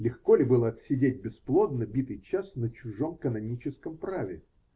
Легко ли было отсидеть бесплодно битый час на чужом каноническом праве?